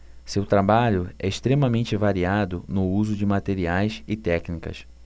seu trabalho é extremamente variado no uso de materiais e técnicas